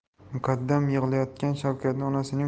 muqaddam yig'layotgan shavkatni onasining